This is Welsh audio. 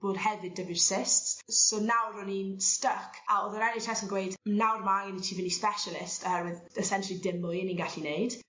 bod hefyd 'dy fi'r cysts so nawr o'n i'n styc a odd yr En Haitch Ess yn gweud nawr ma' angen i ti fyn' i specialist oherwydd essentially dim mwy 'yn ni'n gallu neud.